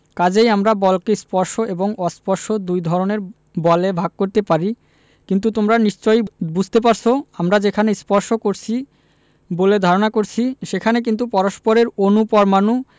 কাজেই আমরা বলকে স্পর্শ এবং অস্পর্শ দুই ধরনের বলে ভাগ করতে পারি কিন্তু তোমরা নিশ্চয়ই বুঝতে পারছ আমরা যেখানে স্পর্শ করছি বলে ধারণা করছি সেখানে কিন্তু পরস্পরের অণু পরমাণু